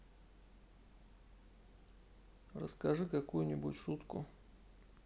расскажи какую нибудь шутку